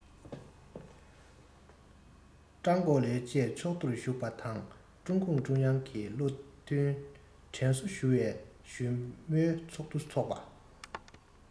ཀྲང ཀའོ ལི བཅས ཚོགས འདུར ཞུགས པ དང ཀྲུང གུང ཀྲུང དབྱང གིས བློ མཐུན དྲན གསོ ཞུ བའི བཞུགས མོལ ཚོགས འདུ འཚོགས པ